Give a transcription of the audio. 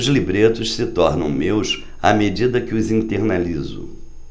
os libretos se tornam meus à medida que os internalizo